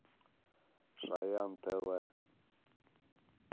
шаян тв